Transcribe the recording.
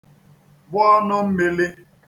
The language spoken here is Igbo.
gbụ ọnụ mmili